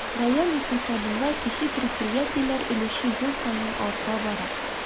Район икътисадында кече предприятиеләр өлеше ел саен арта бара.